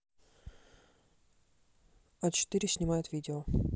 а четыре снимает видео